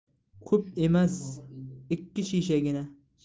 ko'p emas ikki shishagina